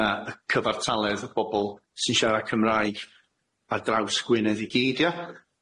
na y cyfartaledd o bobol sy'n siarad Cymraeg ar draws Gwynedd i gyd ia?